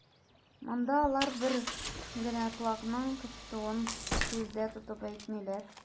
Монда алар бер генә колакның кычытуын күздә тотып әйтмиләр.